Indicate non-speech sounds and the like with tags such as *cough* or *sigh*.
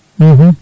*hesitation* *hesitation*